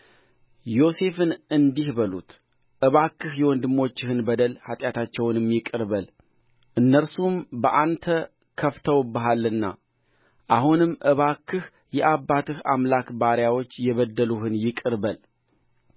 ዮሴፍን እንዲህ በሉት እባክህ የወንድሞችህን በደል ኃጢአታቸውንም ይቅር በል እነርሱ በአንተ ከፍተውብሃልና አሁንም እባክህ የአባትህ አምላክ ባሪያዎች የበደሉህን ይቅር በል